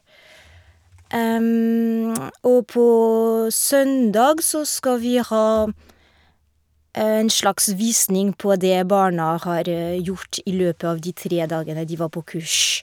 Og på søndag så skal vi ha en slags visning på det barna har gjort i løpet av de tre dagene de var på kurs.